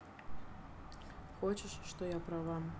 хочешь что я права